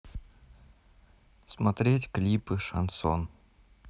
смотреть клипы шансон